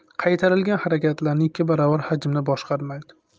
qaytarilgan harakatlarni ikki baravar hajmda boshqarmaydi